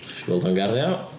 Ydach chi isio gweld o'n garddio?